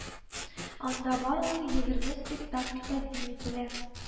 Анда барлыгы егерме спектакль тәкъдим ителә